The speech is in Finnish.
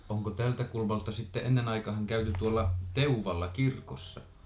onko tältä kulmalta sitten ennen aikaan käyty tuolla Teuvalla kirkossa